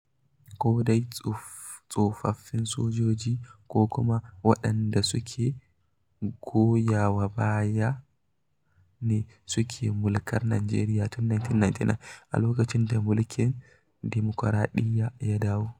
Ko dai tsofaffin sojoji ko kuma waɗanda suke goyawa baya ne suke mulkar Najeriya tun 1999 a lokacin da mulkin dimukuraɗiyya ya dawo.